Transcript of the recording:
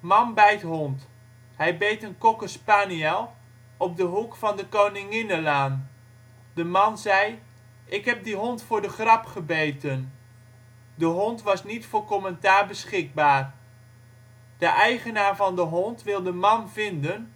Man bijt hond. Hij beet een cockerspaniël op de hoek van Koninginnelaan. De man zei: " Ik heb die hond voor de grap gebeten ". De hond was niet voor commentaar beschikbaar. De eigenaar van de hond wil de man vinden